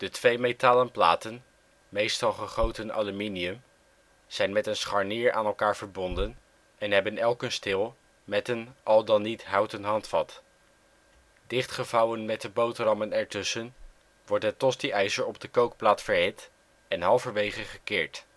twee metalen platen (meestal gegoten aluminium) zijn met een scharnier aan elkaar verbonden en hebben elk een steel met een (houten) handvat. Dichtgevouwen met de boterhammen ertussen wordt het tosti-ijzer op de kookplaat verhit en halverwege gekeerd